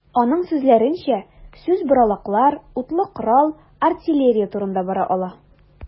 Аның сүзләренчә, сүз боралаклар, утлы корал, артиллерия турында бара ала.